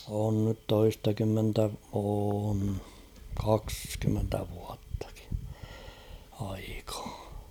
on nyt toistakymmentä on kaksikymmentä vuottakin aikaa